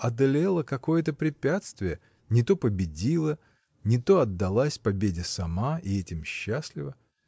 одолела какое-то препятствие: не то победила, не то отдалась победе сама, и этим счастлива.